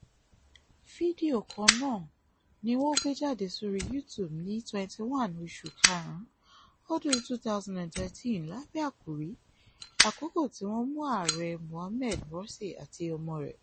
Fídíò kannáà ni wọ́n gbéjáde sórí YouTube ní 21 Oṣù Karùn-ún, Ọdún 2013 lábẹ́ àkòrí "Àkókò tí wọ́n mú Ààrẹ Mohamed Morsi àti ọmọ rẹ̀".